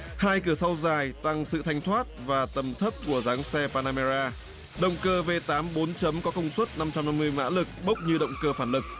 hai cửa sau dài tăng sự thanh thoát và tầm thấp của dòng xe pa la me ra động cơ vê tám bốn chấm có công suất năm trăm năm mươi mã lực bốc như động cơ phản lực